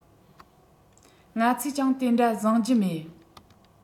ང ཚོས ཀྱང དེ འདྲ བཟང རྒྱུ མེད